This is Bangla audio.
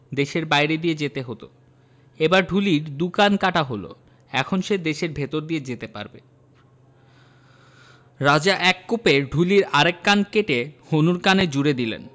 দেশের বাইরে দিয়ে যেতে হত এইবার ঢুলির দু কান কাটা হল এখন সে দেশের ভিতর দিয়ে যেতে পারবে রাজা এক কোপে ঢুলির আর এক কান কেটে হনুর কানে জুড়ে দিলেন